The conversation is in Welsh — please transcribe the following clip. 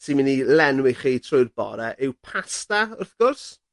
sy myn' i lenwi chi trwy'r bore yw pasta wrth gwrs.